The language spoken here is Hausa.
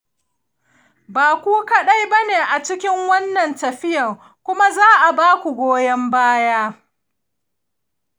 ba ku kaɗai ba ne a cikin wannan tafiyar, kuma za baku goyon baya.